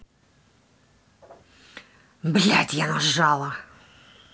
блядь я нажала